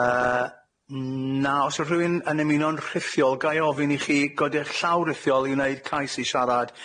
Yy na. O's yw rhywun yn ymuno'n rhithiol, ga i ofyn i chi godi'ch llaw rithiol i neud cais i siarad.